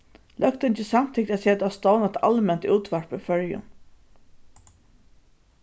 løgtingið samtykti at seta á stovn eitt alment útvarp í føroyum